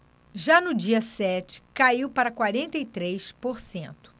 já no dia sete caiu para quarenta e três por cento